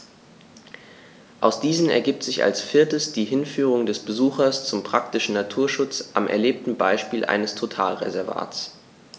Aus diesen ergibt sich als viertes die Hinführung des Besuchers zum praktischen Naturschutz am erlebten Beispiel eines Totalreservats.